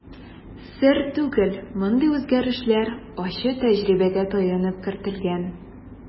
Сер түгел, мондый үзгәрешләр ачы тәҗрибәгә таянып кертелгән.